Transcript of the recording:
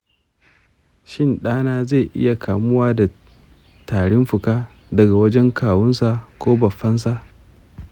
shin ɗana zai iya kamuwa da tarin-fuka daga wajen kawunsa ko baffansa?